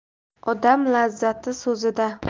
odam lazzati so'zida